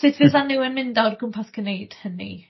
...sut fydda n'w yn mynd o'r gwmpas gneud hynny?